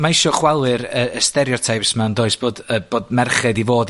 ...mae eisio chwalu'r yy y stereotypes ma' yndoes bod yy bod merched i fod i